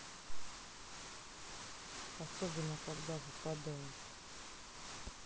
особенно когда выпадет